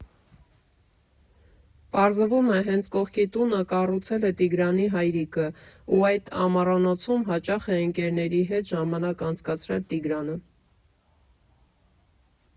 Պարզվում է՝ հենց կողքի տունը կառուցել է Տիգրանի հայրիկը ու այդ ամառանոցում հաճախ է ընկերների հետ ժամանակ անցկացրել Տիգրանը.